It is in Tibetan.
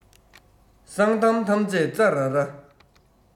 གསང གཏམ ཐམས ཅད ཙ ར ར